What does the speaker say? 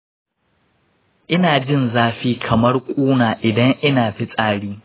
ina jin zafi kamar kuna idan ina fitsari.